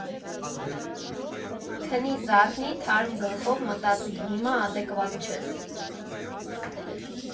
«քնի, զարթնի, թարմ գլխով մտածի, հիմա ադեկվատ չես»։